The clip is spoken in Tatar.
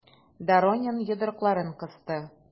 Доронин йодрыкларын кысты.